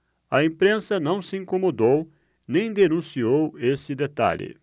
a imprensa não se incomodou nem denunciou esse detalhe